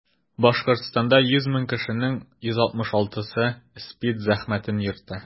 Башкортстанда 100 мең кешенең 166-сы СПИД зәхмәтен йөртә.